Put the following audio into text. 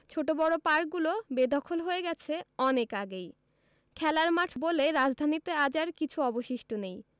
ছোট বড় পার্কগুলো বেদখল হয়ে গেছে অনেক আগেই খেলার মাঠ বলে রাজধানীতে আজ আর কিছু অবশিষ্ট নেই